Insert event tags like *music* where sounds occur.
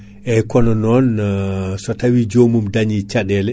eyyi kono non *hesitation* so tawi jomum dañi caɗele